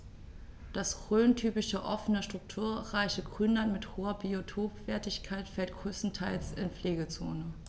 Das rhöntypische offene, strukturreiche Grünland mit hoher Biotopwertigkeit fällt größtenteils in die Pflegezone.